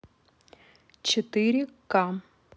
четыре ка